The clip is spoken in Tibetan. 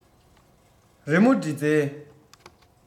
རི མོ འབྲི རྩལ